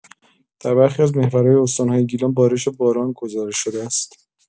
در برخی از محورهای استان‌های گیلان بارش باران گزارش شده است.